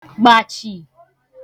gbàchì